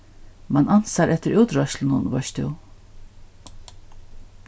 mann ansar eftir útreiðslunum veitst tú